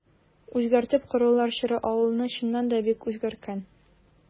Үзгәртеп корулар чоры авылны, чыннан да, бик үзгәрткән.